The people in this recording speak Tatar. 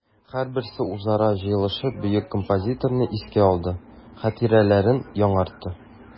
Һәрберсе үзара җыелышып бөек композиторны искә алды, хатирәләрен яңартты.